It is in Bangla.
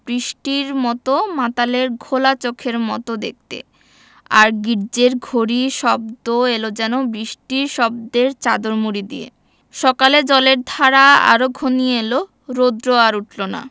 বৃষ্টির মত মাতালের ঘোলা চোখের মত দেখতে আর গির্জ্জের ঘড়ির শব্দ এল যেন বৃষ্টির শব্দের চাদর মুড়ি দিয়ে সকালে জলের ধারা আরো ঘনিয়ে এল রোদ্র আর উঠল না